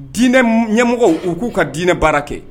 Diinɛ ɲɛmɔgɔ u k'u ka diinɛ baara kɛ